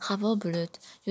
havo bulut